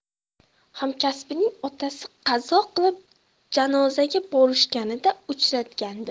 hamkasbining otasi qazo qilib janozaga borishganida uchratgandi